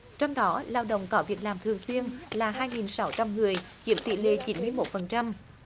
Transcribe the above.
trong đó lao động có việc làm thường xuyên là hai nghìn sáu trăm người chiếm tỷ lệ chín mươi mốt phần trăm